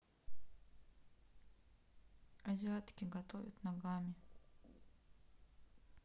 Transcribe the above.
азиатки готовят ногами